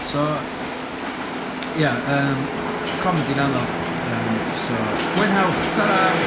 So ia yym comedi'n anodd yym so mwynhewch, ta-ra!